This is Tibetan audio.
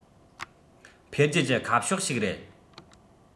འཕེལ རྒྱས ཀྱི ཁ ཕྱོགས ཤིག རེད